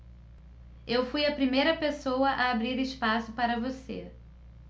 eu fui a primeira pessoa a abrir espaço para você